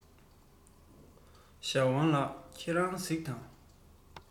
ཞའོ ཝང ལགས ཁྱེད རང གཟིགས དང